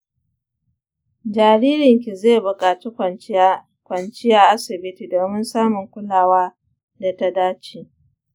jaririnki zai buƙaci kwanciya asibiti domin samun kulawa da ta dace